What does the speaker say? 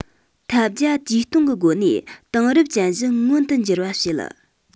ཐབས བརྒྱ ཇུས སྟོང གི སྒོ ནས དེང རབས ཅན བཞི མངོན དུ འགྱུར བ བྱེད